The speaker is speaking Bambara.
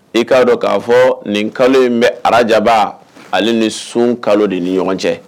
I k'a dɔn k'a fɔ nin kalo in bɛ arajaba ale ni sunkalo de ni ɲɔgɔn cɛ.